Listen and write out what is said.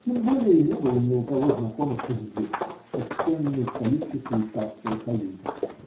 Тем более не было ни у кого знакомых здесь, в почтенной столице швейцарского союза.